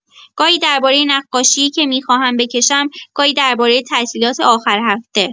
گاهی درباره نقاشی‌ای که می‌خواهم بکشم، گاهی درباره تعطیلات آخر هفته.